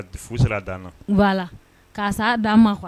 ' dan